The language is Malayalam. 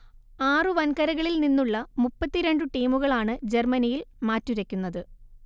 ആറു വൻകരകളിൽ നിന്നുള്ള മുപ്പത്തി രണ്ട് ടീമുകളാണ് ജർമ്മനിയിൽ മാറ്റുരയ്ക്കുന്നത്